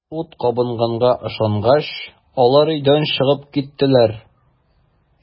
Ут кабынганга ышангач, алар өйдән чыгып киттеләр.